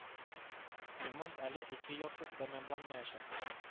Ремонт әле ике елсыз тәмамланмаячак